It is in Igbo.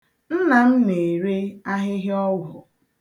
Nna m na-ere ahịhịa ọgwụ.